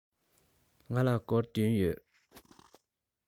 ང ལ སྒོར བདུན ཡོད